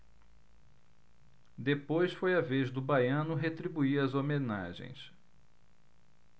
depois foi a vez do baiano retribuir as homenagens